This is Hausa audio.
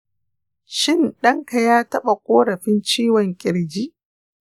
shin ɗanka ya taɓa korafin ciwon kirji?